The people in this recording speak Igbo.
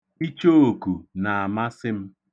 Ichooku na-amasị m.